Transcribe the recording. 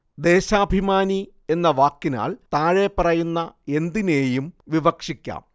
ദേശാഭിമാനി എന്ന വാക്കിനാൽ താഴെപ്പറയുന്ന എന്തിനേയും വിവക്ഷിക്കാം